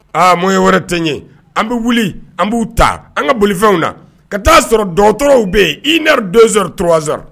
Aa moyen wɛrɛ te ɲe an be wuli an b'u ta an ŋa bolifɛnw na ka t'aaa sɔrɔ docteur w be ye 1 heure 2 heures 3 heures